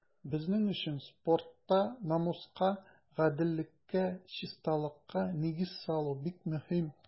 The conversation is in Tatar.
Безнең өчен спортта намуска, гаделлеккә, чисталыкка нигез салу бик мөһим.